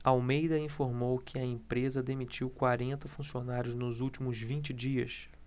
almeida informou que a empresa demitiu quarenta funcionários nos últimos vinte dias